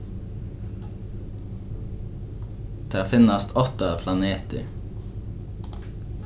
tað finnast átta planetir